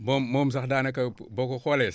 moom moom sax daanaka boo ko xoolee